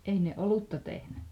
ei ne olutta tehnyt